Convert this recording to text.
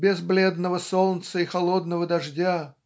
без бледного солнца и холодного дождя